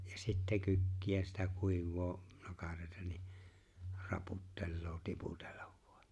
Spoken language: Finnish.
ja sitten kykkiä sitä kuivaa nokareita niin raputtelee tiputella vain